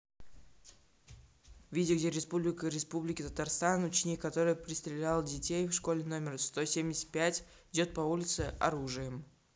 видео где в республике республики татарстан ученик который перестрелял детей в школе номер сто семьдесят пять идет по улице оружием